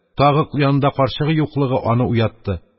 Тагы янында карчыгы юклыгы аны уятты.